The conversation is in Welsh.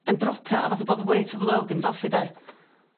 yn dropio a fatha bod y weight of the world 'di mynd off 'i 'de?